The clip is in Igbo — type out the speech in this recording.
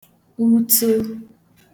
uto